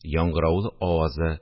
Яңгыраулы авазы